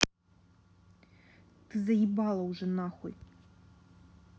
ты заебала уже нахуй